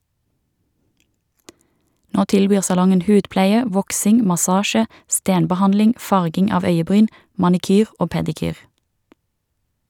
Nå tilbyr salongen hudpleie, voksing, massasje, stenbehandling, farging av øyebryn, manikyr og pedikyr.